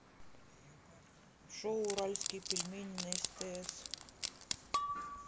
шоу уральские пельмени на стс